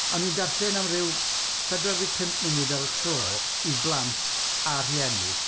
O'n i'n darllen am ryw pedwar deg pump munud ar y tro i blant a rhieni.